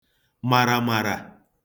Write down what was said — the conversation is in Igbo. màràmàrà